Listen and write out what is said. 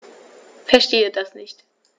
Verstehe das nicht.